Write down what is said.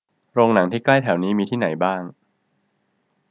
โรงหนังที่ใกล้แถวนี้มีที่ไหนบ้าง